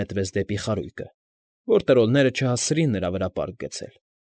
Նետվեց դեպի խարույկը, որ տրոլները չհասցրին նրա վրա պարկ գցել։